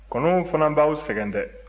kɔnɔw fana b'aw sɛgɛn dɛ